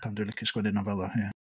Pam dwi'n licio sgwennu nofelau, ia.